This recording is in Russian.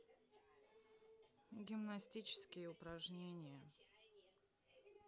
гимнастические упражнения